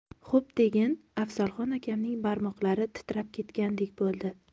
xo'p degin afzalxon akamning barmoqlari titrab ketgandek bo'ldi